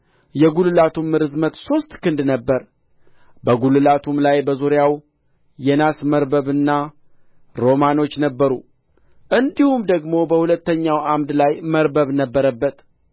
የጕልላቱም ርዝመት ሦስት ክንድ ነበረ በጕልላቱም ላይ በዙሪያው የናስ መርበብና ሮማኖች ነበሩ እንዲሁም ደግሞ በሁለተኛው ዓምድ ላይ መርበብ ነበረበት